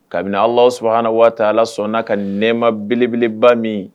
Kabini Alahu subahana wataala sɔnna ka nɛma belebeleba min